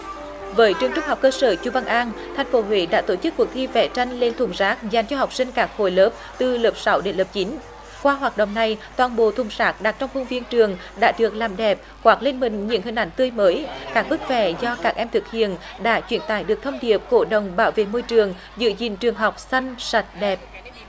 với trường trung học cơ sở chu văn an thành phố huế đã tổ chức cuộc thi vẽ tranh lên thùng rác dành cho học sinh các khối lớp từ lớp sáu đến lớp chín qua hoạt động này toàn bộ thùng rác đặt trong khuôn viên trường đã được làm đẹp khoác lên mình những hình ảnh tươi mới các bức vẽ do các em thực hiện đã truyền tải được thông điệp cổ động bảo vệ môi trường giữ gìn trường học xanh sạch đẹp